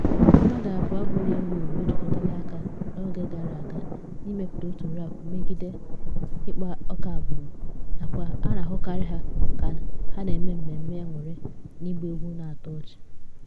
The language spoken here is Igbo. Mmadụ abụọ ahụ na-ewu ewu ejikọtala aka n'oge gara aga n'imepụta otu raapụ megide ịkpa ókè agbụrụ, nakwa a na-ahụkarị ha ka ha na-eme mmemme aṅurị n'ịgba egwu na-atọ ọchị.